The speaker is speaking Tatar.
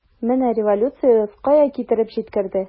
Менә революциягез кая китереп җиткерде!